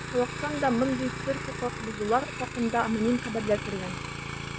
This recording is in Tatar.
Халыктан да мондый төр хокук бозулар хакында аноним хәбәрләр кергән.